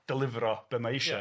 ...delifro be ma' isio. Ie.